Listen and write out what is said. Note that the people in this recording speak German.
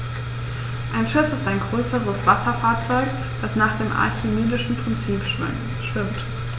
Ein Schiff ist ein größeres Wasserfahrzeug, das nach dem archimedischen Prinzip schwimmt.